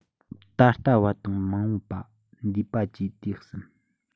ད ལྟ བ དང མ འོངས པ འདས པ བཅས དུས གསུམ